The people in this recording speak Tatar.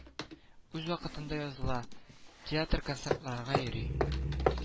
Үз вакытында языла, театрконцертларга йөри